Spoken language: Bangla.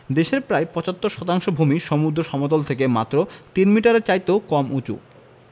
দেশের প্রায় ৭৫ শতাংশ ভূমিই সমুদ্র সমতল থেকে মাত্র তিন মিটারের চাইতেও কম উঁচু